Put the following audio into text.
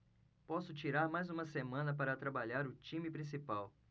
posso tirar mais uma semana para trabalhar o time principal